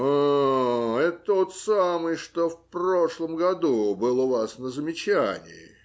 А, это тот самый, что в прошлом году был у вас на замечании?